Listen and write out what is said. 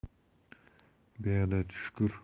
beadad shukr bundan